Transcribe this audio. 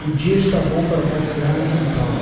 o dia está bom para passear no quintal